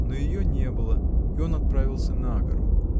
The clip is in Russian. Но ее не было, и он отправился на гору.